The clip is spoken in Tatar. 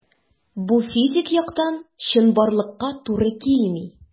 Бу физик яктан чынбарлыкка туры килми.